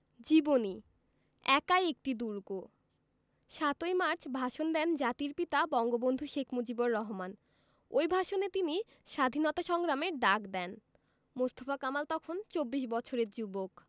জীবনী একাই একটি দুর্গ ৭ই মার্চ ভাষণ দেন জাতির পিতা বঙ্গবন্ধু শেখ মুজিবুর রহমান ওই ভাষণে তিনি স্বাধীনতা সংগ্রামের ডাক দেন মোস্তফা কামাল তখন চব্বিশ বছরের যুবক